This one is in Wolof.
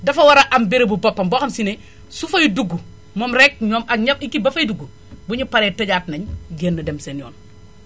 dafa war a am bérébu boppam boo xam si ne su fay dugg moom rekk moom ak équipe ba fay dugg buñu paree tëjaat nañ génn dem seen yoon